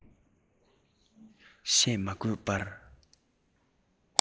བཤད མ དགོས པར